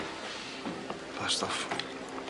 Pa stwff?